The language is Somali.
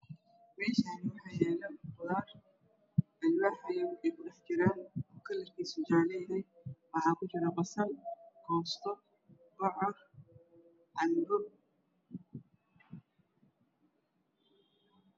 Meeshaani waxaa yaalo qudaar alwaaxa eyay ku dhax jiraan kalarkiisu jaalo yahay waxaa ku jiro basal koosto bocor canbo